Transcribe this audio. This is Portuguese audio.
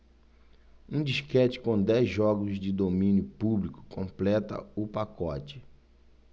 um disquete com dez jogos de domínio público completa o pacote